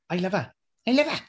I love her, I love her.